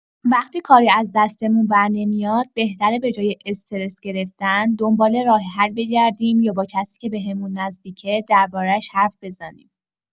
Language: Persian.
وقتی کاری از دستمون برنمیاد، بهتره به‌جای استرس گرفتن، دنبال راه‌حل بگردیم یا با کسی که بهمون نزدیکه، درباره‌اش حرف بزنیم.